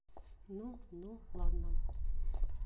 ну ну ладно